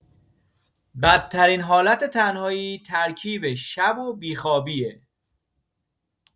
بدترین حالت تنهایی ترکیب شب و بی‌خوابیه.